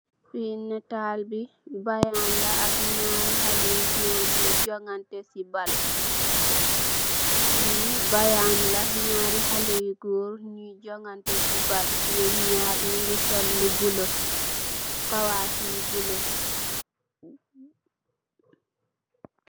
Fi bayaan lah, nyaari halleh yu goor nyi jonganteh si ball, nyom nyaar nyungi sol lu buleuh, kawaas yi buleuh.